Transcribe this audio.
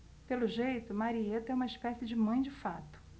pelo jeito marieta é uma espécie de mãe de fato